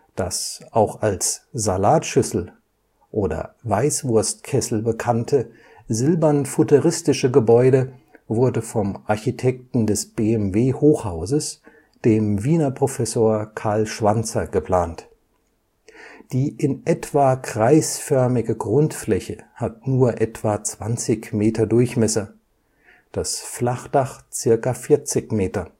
Das auch als Salatschüssel oder Weißwurstkessel bekannte, silbern-futuristische Gebäude wurde vom Architekten des BMW-Hochhauses, dem Wiener Professor Karl Schwanzer, geplant. Die in etwa kreisförmige Grundfläche hat nur etwa 20 Meter Durchmesser, das Flachdach zirka 40 Meter